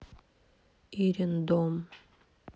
ирин дом